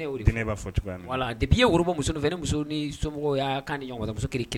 Deye woromusosonin muso ni so ɲɔgɔnmuso kelen